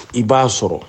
I b'a sɔrɔ